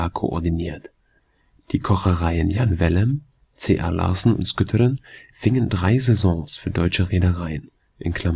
koordiniert. Die Kochereien Jan Wellem, C.A. Larsen und Skytteren fingen drei Saisons für deutsche Reedereien (1936 –